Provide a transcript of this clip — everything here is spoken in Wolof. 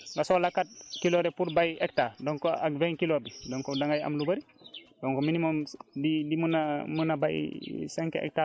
wala bidon vingt litres yi ñi nga xamante ne comme nii kuy kuy bay dugub nga soxla quatre kilos rek pour béy hectare donc ak vingt kilos bi donc dangay am lu bëri